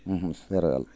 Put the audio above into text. céréal